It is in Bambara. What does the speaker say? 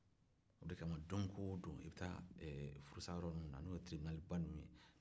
o de kama don o don o bɛ furusayɔrɔ min na n'o ye tiribinali kɔni ye